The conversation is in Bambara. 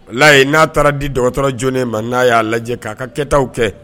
Layi ye n'a taara di dɔ dɔgɔtɔrɔ joona ma n'a y'a lajɛ k'a ka kɛtaw kɛ